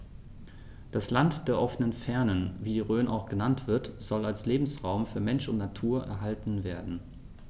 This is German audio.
Das „Land der offenen Fernen“, wie die Rhön auch genannt wird, soll als Lebensraum für Mensch und Natur erhalten werden.